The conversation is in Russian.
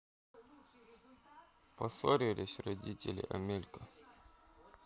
поссорились родители амелька